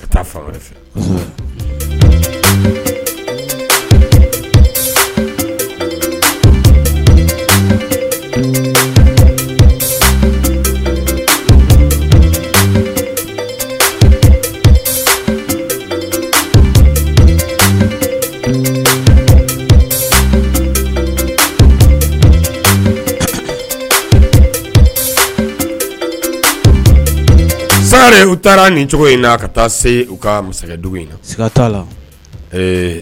ka taa fan fɛ sari u taara nin cogo in na ka taa se u ka masakɛdugu in la